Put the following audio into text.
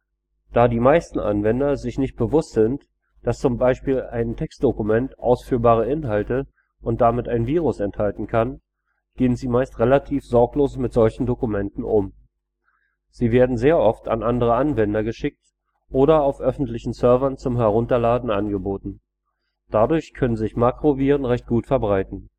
Da die meisten Anwender sich nicht bewusst sind, dass beispielsweise ein Textdokument ausführbare Inhalte und damit ein Virus enthalten kann, gehen sie meist relativ sorglos mit solchen Dokumenten um. Sie werden sehr oft an andere Anwender verschickt oder auf öffentlichen Servern zum Herunterladen angeboten. Dadurch können sich Makroviren recht gut verbreiten